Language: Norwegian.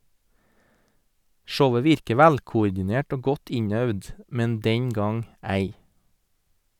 Showet virker velkoordinert og godt innøvd , men den gang ei.